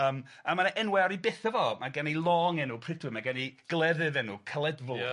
Yym a ma' 'na enwe ar ei betha fo, ma' gen 'i long enw Prydwyn, ma' gen 'i glefydd enw Caledfwch. Ia.